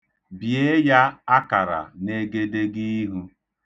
Bie ya akara n'egedegiihu.